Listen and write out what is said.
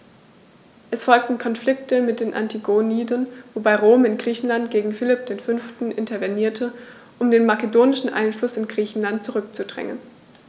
Es folgten Konflikte mit den Antigoniden, wobei Rom in Griechenland gegen Philipp V. intervenierte, um den makedonischen Einfluss in Griechenland zurückzudrängen.